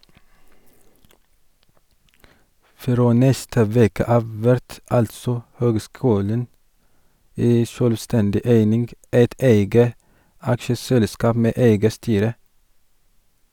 Frå neste veke av vert altså høgskulen ei sjølvstendig eining, eit eige aksjeselskap med eige styre.